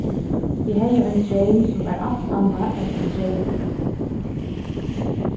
eg hevði ein dreym sum var alt annað enn ein dreymur